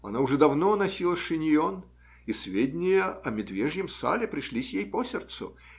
Она уже давно носила шиньон, и сведения о медвежьем сале пришлись ей по сердцу